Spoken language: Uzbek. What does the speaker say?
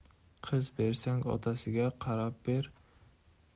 qiz bersang otasiga qarab ber